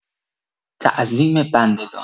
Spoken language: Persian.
تعظیم بندگان